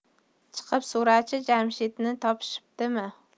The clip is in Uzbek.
chiqib so'ra chi jamshidni topishibdimi